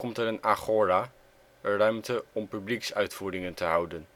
er een agora, een ruimte om publieksuitvoeringen te houden